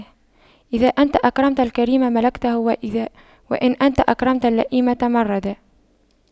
إذا أنت أكرمت الكريم ملكته وإن أنت أكرمت اللئيم تمردا